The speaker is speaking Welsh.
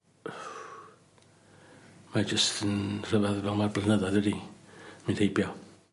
Mae jyst yn rhyfedd fel ma'r blynyddoedd wedi mynd heibio.